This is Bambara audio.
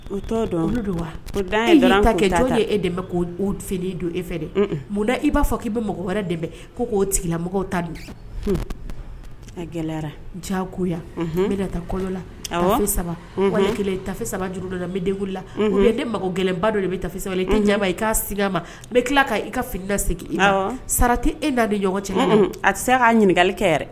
O wa e dɛmɛ k' don e fɛ dɛ munna i b'a fɔ k'i bɛ mɔgɔ wɛrɛ dɛmɛ ko k'o tigila mɔgɔw ta a gɛlɛyara jagoya bɛ taakɔ la saba wali kelen tafe saba juru dɔ la bɛla ne mako gɛlɛnlɛnba dɔ de bɛ tafe saba i ma i ka s ma bɛ tila ka i ka fini da segin i sarati e naa ni ɲɔgɔn cɛ a tɛ se k'a ɲininkalikɛ yɛrɛ